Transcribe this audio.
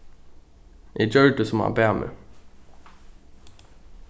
eg gjørdi sum hann bað meg